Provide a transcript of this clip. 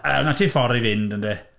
'Na ti ffordd i fynd, yn de.